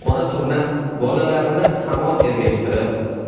ona turna bolalarini hamon ergashtirib